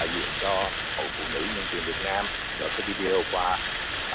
diện cho hội phụ nữ nhân quyền việt nam cái vi đi ô qua